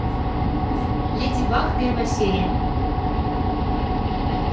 леди баг первая серия